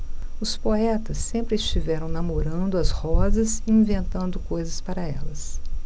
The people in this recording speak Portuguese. os poetas sempre estiveram namorando as rosas e inventando coisas para elas